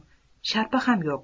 sharpa ham yo'q